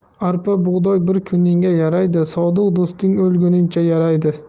arpa bug'doy bir kuningga yaraydi sodiq do'sting o'lguningcha yaraydi